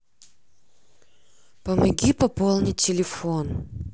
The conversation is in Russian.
помоги пополнить телефон